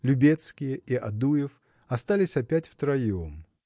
Любецкие и Адуев остались опять втроем.